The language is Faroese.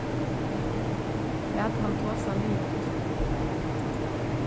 lat hann tosa liðugt